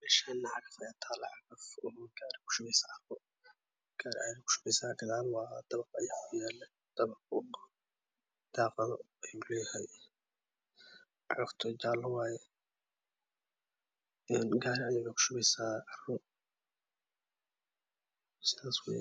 Meeshaan cagaf ayaa taala oo gaari kushubeyso carro. gadaal dabaq ayaa kuyaala daaqado ayuu leeyahay. cagaftu jaalo waaye gaari ayey kushubeysaa carro.